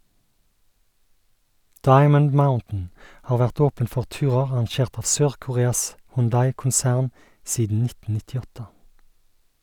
Diamond Mountain har vært åpen for turer arrangert av Sør-Koreas Hyundai-konsern siden 1998.